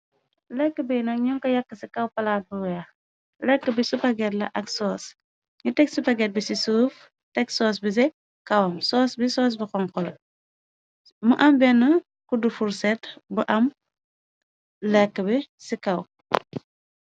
Leka bi nak ñunko yaka ci kaw palaat bu weex leks bi sipagit la ak soos nu teeg sipagit bi ci suuf teg soos bi ci kawam soos bi soos bi xonxu la mu am bena kuddu furset bu am leka bi ci kaw.